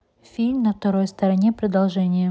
фильм на твоей стороне продолжение